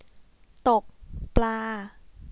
ตกปลา